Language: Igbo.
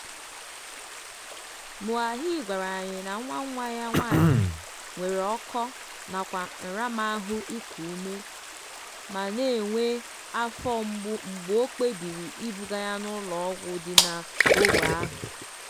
Moahi gwara anyị na nwa nwa ya nwaanyị nwere ọkọ nakwa nramahụ iku ume ma na-enwe afọ mgbu mgbe o kpebiri ibuga ya n'ụlọọgwụ dị n'ógbè ahụ.